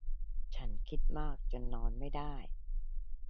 ฉันคิดมากจนนอนไม่ได้